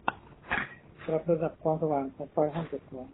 ปรับระดับความสว่างของไฟห้องเก็บของ